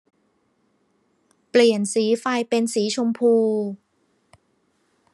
เปลี่ยนสีไฟเป็นสีชมพู